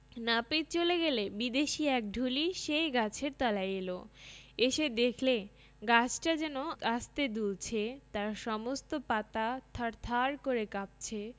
নাপিত চলে গেলে বিদেশী এক ঢুলি সেই গাছের তলায় এল এসে দেখলে গাছটা যেন আস্তে দুলছে তার সমস্ত পাতা থরথর করে কাঁপছে